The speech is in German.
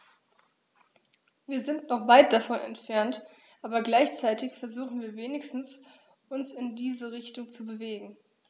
Wir sind noch weit davon entfernt, aber gleichzeitig versuchen wir wenigstens, uns in diese Richtung zu bewegen.